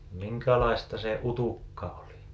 minkälaista se utukka oli